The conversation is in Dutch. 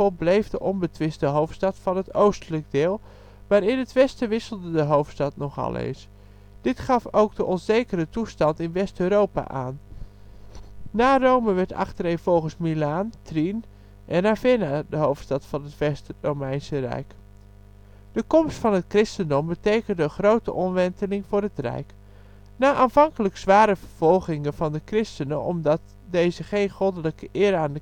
bleef de onbetwiste hoofdstad van het Oostelijke deel maar in het westen wisselde de hoofdstad nogal eens. Dit gaf ook de onzekere toestand in west-europa aan. Na Rome werd achtereenvolgens Milaan, Trier en Ravenna hoofdstad van het West Romeinse rijk. De komst van het christendom betekende een grote omwenteling voor het Rijk. Na aanvankelijk zware vervolgingen van de Christenen omdat deze geen goddelijke eer